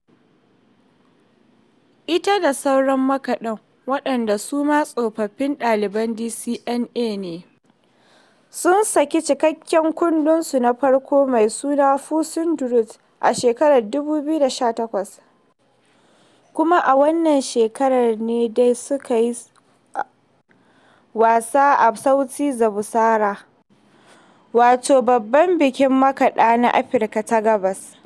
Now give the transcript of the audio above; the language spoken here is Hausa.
Ita da sauran makaɗan, waɗanda su ma tsofaffin ɗaliban DCMA ne, sun saki cikakken kundinsu na farko mai suna "Fusing the Root" a shekarar 2018, kuma a wannan shekarar ne dai suka yi wasa a Sauti za Busara, wato babban bikin makaɗa na Afirka ta Gabas.